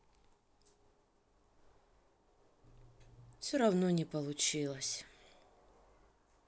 все равно не получилось